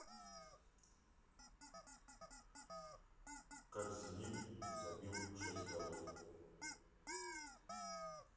как зенит забил шесть голов